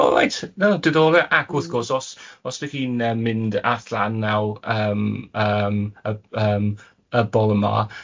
O reit na diddorol ac wrth gwrs os os dach chi'n yym mynd at lan naw yym yym y yym y bore yma yym